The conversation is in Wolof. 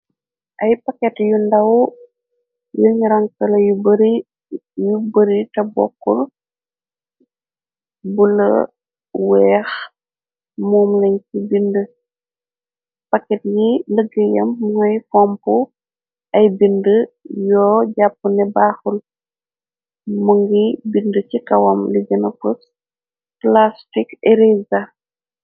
Ay pakket yu ndaw yuñ ransala yu bari, yu bari te bokkuñ, bula, weex, moom lañ ci bind, pakket yi lëggeyam mooy fompu ay bind yoo jàppu ne baaxul, mu ngi bind ci kawam li gena fes plastic eresa.